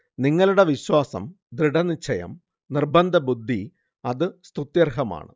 നിങ്ങളുടെ വിശ്വാസം, ദൃഢനിശ്ചയം നിർബന്ധബുദ്ധി അത് സ്തുത്യർഹമാണ്